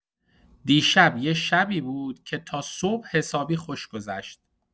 دیشب یه شبی بود که تا صبح حسابی خوش گذشت.